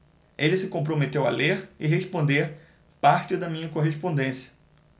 ele se comprometeu a ler e responder parte da minha correspondência